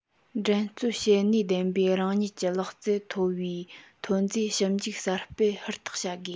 འགྲན རྩོད བྱེད ནུས ལྡན པའི རང ཉིད ཀྱི ལག རྩལ མཐོ བའི ཐོན རྫས ཞིབ འཇུག གསར སྤེལ ཧུར ཐག བྱ དགོས